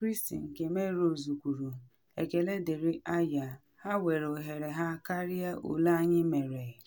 Robyn Christie nke Melrose kwuru: “Ekele dịịrị Ayr, ha were ohere ha karịa ole anyị mere.”